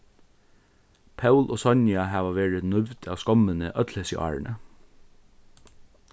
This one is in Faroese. pól og sonja hava verið nívd av skommini øll hesi árini